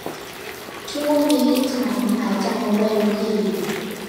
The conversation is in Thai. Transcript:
ช่วงนี้ฉันหายใจเร็วถี่